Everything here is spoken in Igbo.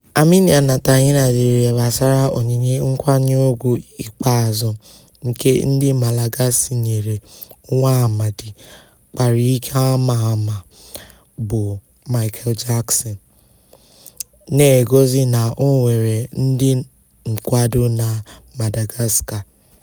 Arminian na Tahina dere gbasara onyinye nkwanye ùgwù ikpeazụ nke ndị Malagasy nyere nwaamadị kpara ike ama ama bụ Michael Jackson, na-egosi na o nwere ndị nkwado na Madagascar.